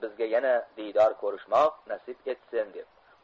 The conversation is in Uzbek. bizga yana diydor ko'rishmok nasib etsin deb